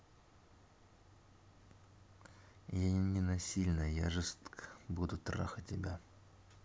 я не насильно я жестко буду трахать тебя